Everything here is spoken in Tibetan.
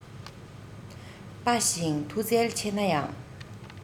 དཔའ ཞིང མཐུ རྩལ ཆེ ན ཡང